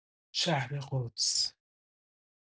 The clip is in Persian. شهر قدس